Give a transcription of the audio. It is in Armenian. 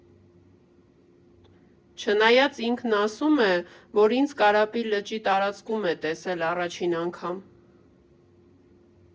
Չնայած ինքն ասում է, որ ինձ Կարապի լճի տարածքում է տեսել առաջին անգամ։